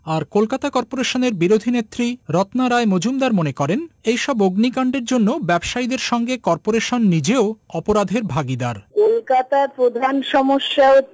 আর কলকাতা কর্পোরেশনের বিরোধী নেত্রী রত্না রায় মজুমদার মনে করেন এইসব অগ্নিকাণ্ডের জন্য ব্যবসায়ীদের সঙ্গে কর্পোরেশন নিজেও অপরাধ এর ভাগীদার কলকাতা প্রধান সমস্যা